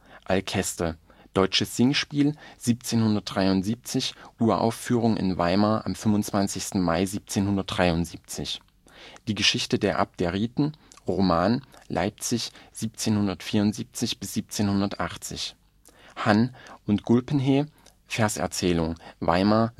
Alceste, deutsches Singspiel (1773, Uraufführung: Weimar, 25. Mai 1773) Die Geschichte der Abderiten, Roman (Leipzig 1774 - 1780) Hann und Gulpenheh, Verserzählung (Weimar